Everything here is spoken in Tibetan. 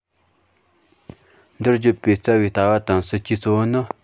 འདིར བརྗོད པའི རྩ བའི ལྟ བ དང སྲིད ཇུས གཙོ བོ ནི